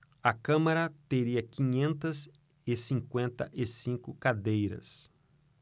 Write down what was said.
a câmara teria quinhentas e cinquenta e cinco cadeiras